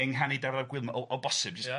...yng nghanu Dafydd ap Gwilym o- o bosib... Ia